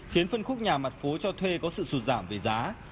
khiến phân khúc nhà mặt phố cho thuê có sự sụt giảm về giá